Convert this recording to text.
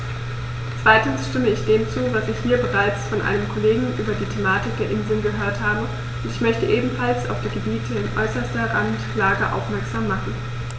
Zweitens stimme ich dem zu, was ich hier bereits von einem Kollegen über die Thematik der Inseln gehört habe, und ich möchte ebenfalls auf die Gebiete in äußerster Randlage aufmerksam machen.